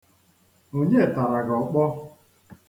Onye tara gị ọkpọ?